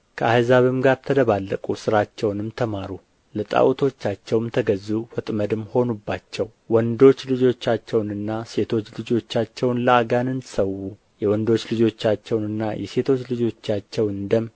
ከአሕዛብም ጋር ተደባለቁ ሥራቸውንም ተማሩ ለጣዖቶቻቸውም ተገዙ ወጥመድም ሆኑባቸው ወንዶች ልጆቻቸውንና ሴቶች ልጆቻቸውን ለአጋንንት ሠው የወንዶች ልጆቻቸውንና የሴቶች ልጆቻቸን ደም